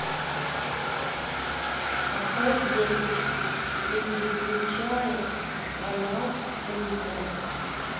отправь весточку не переключает канал пультом